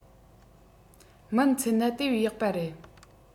སྨིན ཚད ན དེ བས ཡག པ རེད